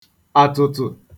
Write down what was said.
àtụ̀tụ̀